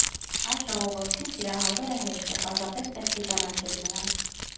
Այս ժողովրդին սիրահարվելը հեշտ է, պարզապես պետք է ճանաչել նրանց։